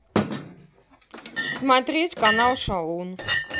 смотреть канал шалун